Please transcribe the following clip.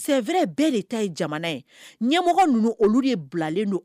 Ye ɲɛmɔgɔ ninnu olu bilalen